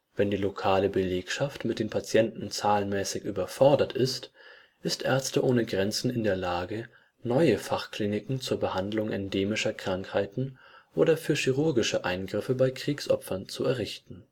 Wenn die lokale Belegschaft mit den Patienten zahlenmäßig überfordert ist, ist Ärzte ohne Grenzen in der Lage, neue Fachkliniken zur Behandlung endemischer Krankheiten oder für chirurgische Eingriffe bei Kriegsopfern zu errichten